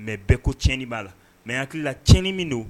Mɛ bɛɛ ko tiɲɛni b'a la mɛ hakililacin min don